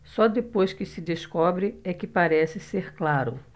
só depois que se descobre é que parece ser claro